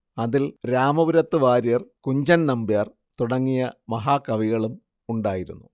അതിൽ രാമപുരത്തു വാര്യർ കുഞ്ചൻ നമ്പ്യാർ തുടങ്ങിയ മഹാകവികളും ഉണ്ടായിരുന്നു